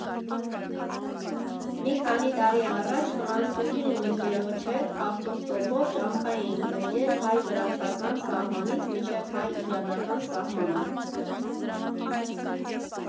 Մի քանի տարի առաջ ֆրանսուհի իմ ընկերոջ հետ ավտոստոպով ճամփա էինք ընկել հայ֊վրացական սահմանից մինչև հայ֊իրանական սահմանը։